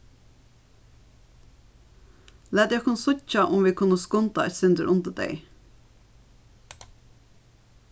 latið okkum síggja um vit kunnu skunda eitt sindur undir tey